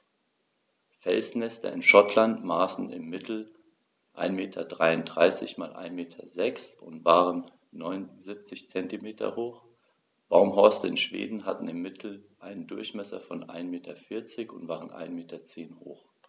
Felsnester in Schottland maßen im Mittel 1,33 m x 1,06 m und waren 0,79 m hoch, Baumhorste in Schweden hatten im Mittel einen Durchmesser von 1,4 m und waren 1,1 m hoch.